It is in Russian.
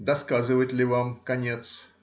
Досказывать ли вам конец?